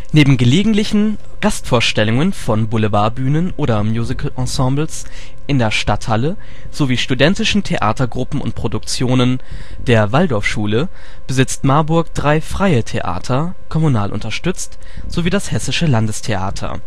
Neben gelegentlichen Gastvorstellungen von Boulevardbühnen oder Musicalensembles in der Stadthalle sowie studentischen Theatergruppen und Produktionen der Waldorfschule besitzt Marburg drei Freie Theater (kommunal unterstützt) sowie das Hessische Landestheater